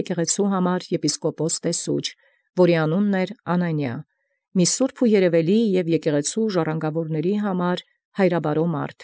Եկեղեցւոյն Սիւնեաց կարգել, որոյ անունն կոչէր Անանիաս, այր սուրբ և երևելի, հայրաբարոյ ժառանգաւորաց եկեղեցւոյ։